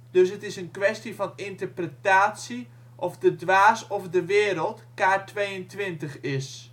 dus het is een kwestie van interpretatie of de Dwaas of de Wereld kaart 22 is